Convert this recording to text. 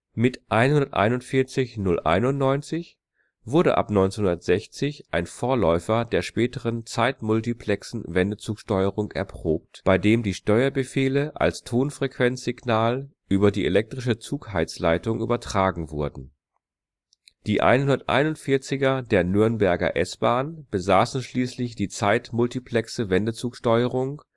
Mit 141 091 wurde ab 1960 ein Vorläufer der späteren Zeitmultiplexen Wendezugsteuerung erprobt, bei dem die Steuerbefehle als Tonfrequenzsignal über die elektrische Zugheizleitung übertragen wurden.. Die 141er der Nürnberger S-Bahn besaßen schließlich die zeitmultiplexe Wendezugsteuerung